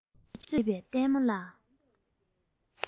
ཁ རྩོད བྱེད པའི ལྟད མོ ལ